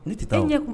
Ne tɛ taa o. E ɲɛ